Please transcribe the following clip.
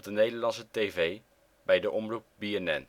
Nederlandse tv (BNN